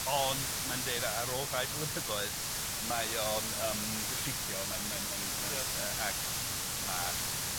Ond mae'n deud a- ar ôl rhai blynyddoedd mae o'n yym diffygio mae'n mae'n mae'n mae'n... Ia. ...a- ag ma'